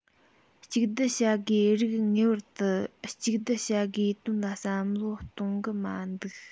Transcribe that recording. གཅིག སྡུད བྱ དགོས རིགས ངེས པར དུ གཅིག སྡུད བྱ དགོས དོན ལ བསམ བློ གཏོང གི མི འདུག